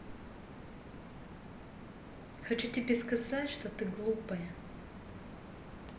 хочу тебе сказать что ты глупая